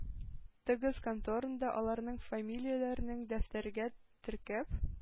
Тыгыз конторында, аларның фамилияләрен дәфтәргә теркәп,